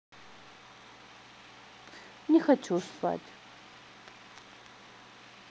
не хочу спать